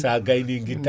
sa gayni guitta